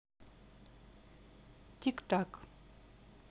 тик так